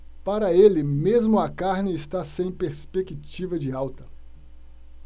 para ele mesmo a carne está sem perspectiva de alta